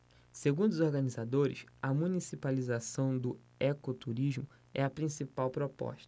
segundo os organizadores a municipalização do ecoturismo é a principal proposta